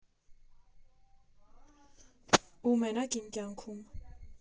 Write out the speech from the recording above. Ու մենակ իմ կյանքում։